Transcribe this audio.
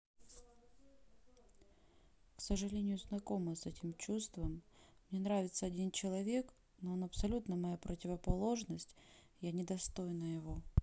к сожалению знакома с этим чувством мне нравится один человек но он абсолютно моя противоположность я недостойна его